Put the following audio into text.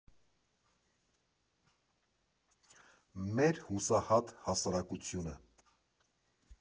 Մեր հուսահատ հասարակությունը։